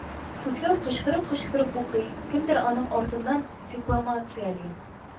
Суфлер кычкырып-кычкырып укый, кемдер аның артыннан декламацияли